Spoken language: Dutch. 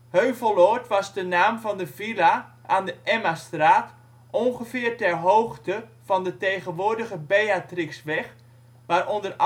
Heuveloord was de naam van de villa aan de Emmastraat ongeveer ter hoogte van de tegenwoordige Beatrixweg waar onder